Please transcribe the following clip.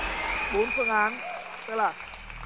bốn phương án sẽ là